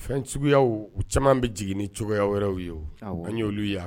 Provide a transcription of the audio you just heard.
Fɛn suguya caman bɛ jigin ni cogoyaya wɛrɛw ye ani y oluolu yan